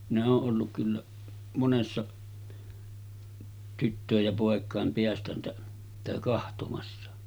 minä olen ollut kyllä monessa tyttöjen ja poikien - sitä katsomassa